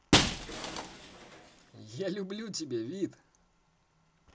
я люблю тебя вид